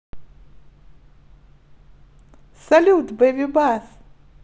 салют babybus